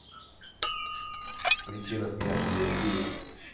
причина смерти lil peep